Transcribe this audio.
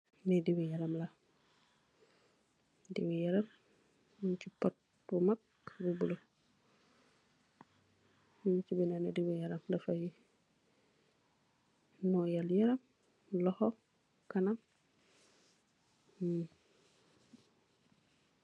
Li duweh yaramm laax, duwee yaraam bukk si pott bu makk bu blue, junsi bidah li diweeh yaraam laah , dafaai noyal yaraam , loxo , kanam .